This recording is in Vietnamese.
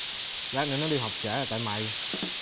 lát nữa nó đi học trễ là tại mày